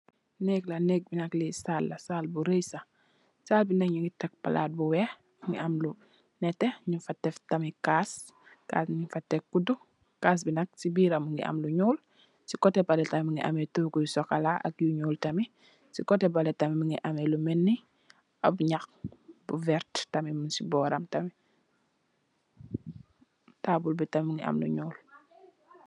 Neeg la neeg bi nak Ii saal la saal bu raay sah saal bi nak nyu gi teh Pala bu weex am lu nete nyun fa teck tam cass ak nyun fa teck kudu cass bi nak si biram mogi lu nuul si kote belex tamit mogi ameh togu yu chocola yu ak yu nuul tamit si kote bele tamit mogi am lu melni ni am nhax bu werta tamit bu neka si boram am tamit tabul bu tamit mogi am lu nuul.